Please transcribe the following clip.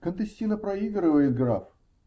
-- Контессина проигрывает, граф.